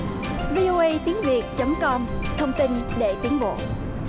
vi âu ây tiếng việt chấm com thông tin để tiến bộ